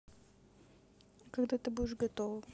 а когда ты будешь готова